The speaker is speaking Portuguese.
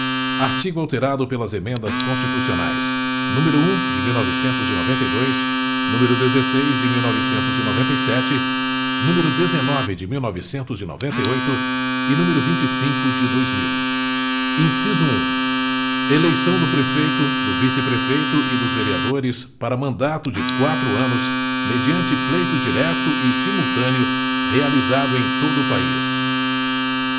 artigo alterado pela emendas constitucionais número um de mil novecentos e noventa e dois número dezesseis de mil e novecentos e noventa e sete número dezenove de mil novecentos e noventa e oito e número vinte e cinco de dois mil inciso um eleição do prefeito do vice prefeito e dos vereadores para mandato de quatro anos mediante pleito direto e simultâneo realizado em todo o país